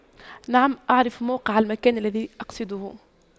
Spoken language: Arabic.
نعم أعرف موقع المكان الذي أقصده